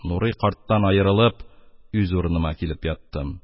Нурый карттан аерылып, үз урыныма килеп яттым.